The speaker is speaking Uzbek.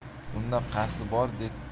unda qasdi bor bek